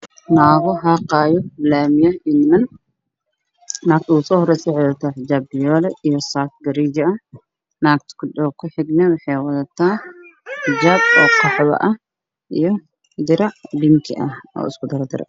Naago xaaqaayo laamiga iyo niman naagta u soo horeeyo waxay wataa xijaab fiyool ah iyo saako gariijo ah mida u xigtana waxay watadaa xijaab qaxwo ah iyo dirac binki ah isku dar dar ah.